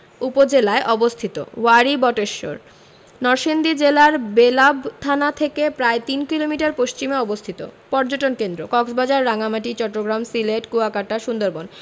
উপজেলায় অবস্থিত ওয়ারী বটেশ্বর নরসিংদী জেলার বেলাব থানা থেকে প্রায় তিন কিলোমিটার পশ্চিমে অবস্থিত পর্যটন কেন্দ্রঃ কক্সবাজার রাঙ্গামাটি চট্টগ্রাম সিলেট কুয়াকাটা সুন্দরবন